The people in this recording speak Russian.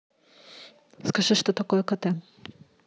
скажи что такое кт